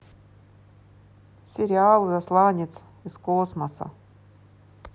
сериал засланец из космоса